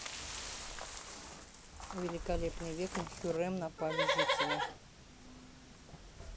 великолепный век на хюррем напали жители